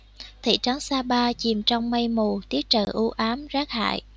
thị trấn sa pa chìm trong mây mù tiết trời u ám rét hại